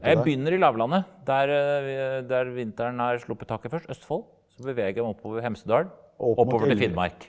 jeg begynner i lavlandet der der vinteren har sluppet taket først Østfold, så beveger jeg meg oppover Hemsedal og oppover til Finnmark.